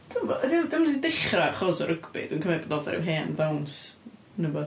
Dwi'm bod. Ydy o... 'dio'm 'di dechrau achos o'r rygbi. Dwi'n cymryd bod o fatha ryw hen ddawns neu wbath?